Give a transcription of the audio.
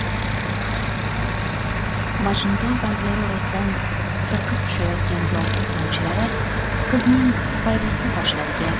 majnuntol barglari orasidan sirqib tushayotgan yomg'ir tomchilari qizning payvastaqoshlariga